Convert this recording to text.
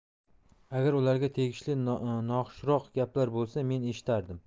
agar ularga tegishli noxushroq gaplar bo'lsa men eshitardim